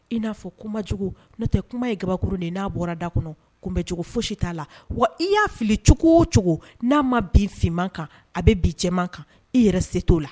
I n'a fɔ kumacogo n'o tɛ kuma ye gabakurun de ye n'a bɔra da kɔnɔ kunbɛncogo fosi t'a la wa i y'a fili cogo o cogo n'a ma bin fiman kan a bɛ bin jɛman kan i yɛrɛ se t'o la